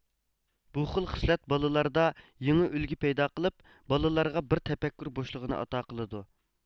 بۇ خىل خىسلەت بالىلاردا يېڭى ئۈلگە پەيدا قىلىپ بالىلارغا بىر تەپەككۇر بوشلۇقىنى ئاتا قىلىدۇ